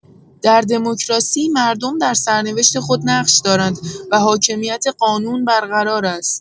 در دموکراسی مردم در سرنوشت خود نقش دارند و حاکمیت قانون برقرار است.